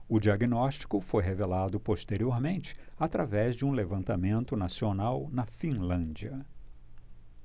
o diagnóstico foi revelado posteriormente através de um levantamento nacional na finlândia